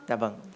dạ vầng